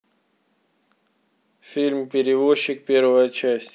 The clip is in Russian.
фильм перевозчик первая часть